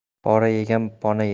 pora yegan pona yer